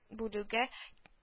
Бүлүгә